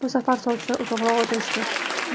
bu safar sovchilar uzoqroq o'tirishdi